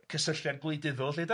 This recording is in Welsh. cysylltiad gwleidyddol 'lly de?